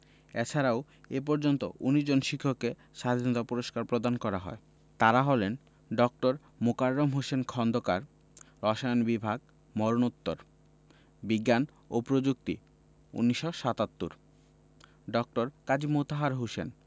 এছাড়াও এ পর্যন্ত ১৯ জন শিক্ষককে স্বাধীনতা পুরস্কার প্রদান করা হয় তাঁরা হলেন ড. মোকাররম হোসেন খন্দকার রসায়ন বিভাগ মরণোত্তর বিজ্ঞান ও প্রযুক্তি ১৯৭৭ ড. কাজী মোতাহার হোসেন